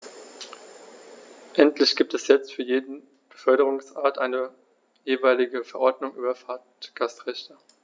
Endlich gibt es jetzt für jede Beförderungsart eine jeweilige Verordnung über Fahrgastrechte.